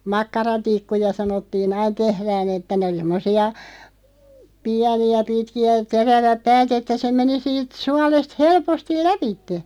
makkaratikkuja sanottiin aina tehdään että ne oli semmoisia pieniä pitkiä ja terävät päät että se meni siitä suolesta helposti lävitse